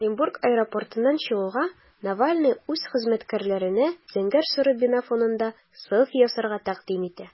Оренбург аэропортыннан чыгуга, Навальный үз хезмәткәрләренә зәңгәр-соры бина фонында селфи ясарга тәкъдим итә.